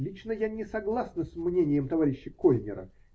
Лично я не согласна с мнением товарища Кольнера